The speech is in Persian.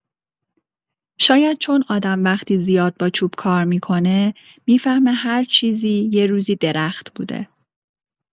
شاید چون آدم وقتی زیاد با چوب کار می‌کنه، می‌فهمه هر چیزی یه روزی درخت بوده.